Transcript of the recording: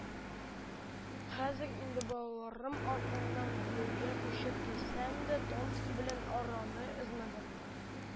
«хәзер инде балаларым артыннан бирегә күчеп килсәм дә, томски белән араны өзмәдем